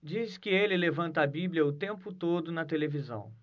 diz que ele levanta a bíblia o tempo todo na televisão